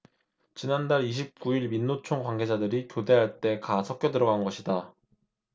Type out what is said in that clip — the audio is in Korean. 지난달 이십 구 일 민노총 관계자들이 교대할 때 가 섞여 들어간 것이다